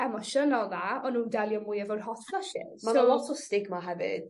emosiynol 'na. O'n nw'n delio mwy efo'r hot flushes. Ma' 'na lot o stigma hefyd